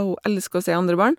Hun elsker å se andre barn.